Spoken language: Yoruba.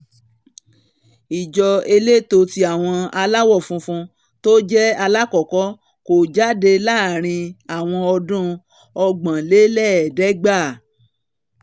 Ìjọ Elétò ti àwọn aláwọ̀ funfun tójẹ́ aláàkọ́kọ́ kó jáde làárín àwọn ọdún 1930.